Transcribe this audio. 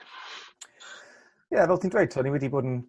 Ie fel ti'n dweud t'o' ni wedi bod 'n